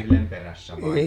- perässä vai